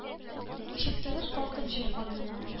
Чыктыгыз калкып җир карныннан.